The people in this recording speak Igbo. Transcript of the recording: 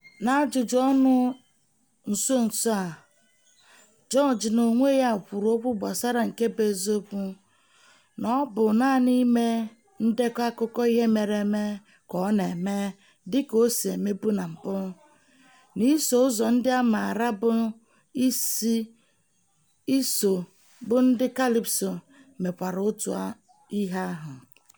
N'ajụjụ ọnụ nso nso a, George n'onwe ya kwuru okwu gbasara nke bụ eziokwu na ọ bụ "naanị ime ndekọ akụkọ ihe mere eme" ka ọ nọ na-eme dị ka o "si emebu" n'iso ụzọ ndị a maara bụ isi bụ ndị kalịpso mekwara otu ihe ahụ.